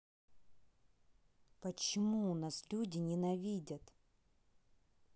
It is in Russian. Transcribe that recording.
почему у нас люди ненавидят